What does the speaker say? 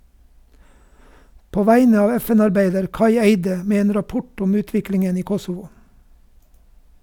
På vegne av FN arbeider Kai Eide med en rapport om utviklingen i Kosovo.